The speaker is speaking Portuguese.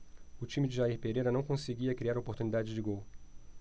o time de jair pereira não conseguia criar oportunidades de gol